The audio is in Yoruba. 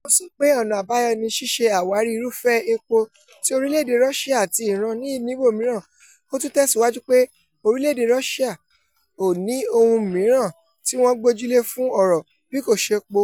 “Ó sọ pe ọ̀nà àbáyọ ni ṣíṣe àwárí irúfẹ́ epo tí orílẹ̀ èdè Russia àti Iran ní níbòmíràn. Ó tún tẹ̀síwájú pé orílẹ̀èdè Russia ò ní ohun mìíràn tí wọ́n gbójúlé fún ọrọ̀ bí kò ṣe epo.